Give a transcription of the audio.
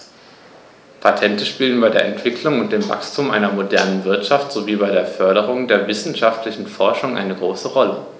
Patente spielen bei der Entwicklung und dem Wachstum einer modernen Wirtschaft sowie bei der Förderung der wissenschaftlichen Forschung eine große Rolle.